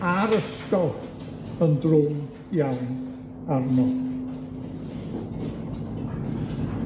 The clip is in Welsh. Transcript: a'r ysgol yn drwm iawn arno.